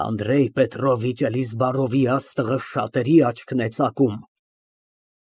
Անդրեյ Պետրովիչ Էլիզբարովի աստղը շատերի աչքն է ծակում։